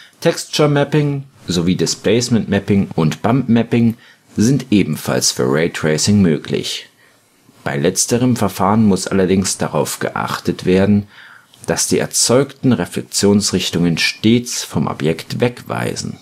Texture Mapping sowie Displacement Mapping und Bumpmapping sind ebenfalls für Raytracing möglich. Bei letzterem Verfahren muss allerdings darauf geachtet werden, dass die erzeugten Reflexionsrichtungen stets vom Objekt weg weisen